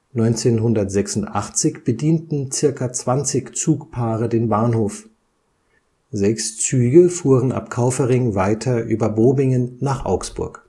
1986 bedienten circa 20 Zugpaare den Bahnhof, sechs Züge fuhren ab Kaufering weiter über Bobingen nach Augsburg